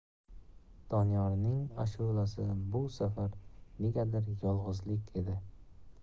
doniyorning ashulasi bu safar negadir yolg'izlik edi